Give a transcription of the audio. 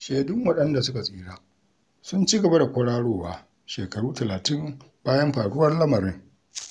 Shedun waɗanda suka tsira sun cigaba da kwararowa shekaru 30 bayan faruwar lamarin.